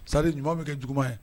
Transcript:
Sa ɲuman bɛ kɛ jugu ye